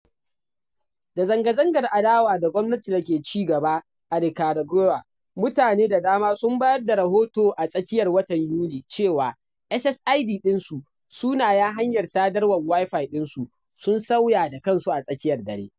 Da zanga-zangar adawa da gwamnati da ke ci gaba a Nicaragua, mutane da dama sun bayar da rahoto a tsakiyar watan Yuni cewa SSID ɗinsu (sunayen hanyar sadarwar Wi-Fi ɗinsu) sun sauya da kansu a tsakiyar dare.